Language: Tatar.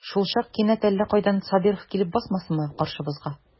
Шулчак кинәт әллә кайдан Сабиров килеп басмасынмы каршыбызга.